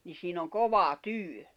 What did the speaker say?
niin siinä on kova työ